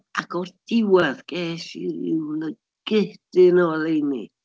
Ac o'r diwedd ges i ryw lygedyn o oleuni.